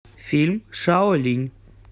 фильм шао линь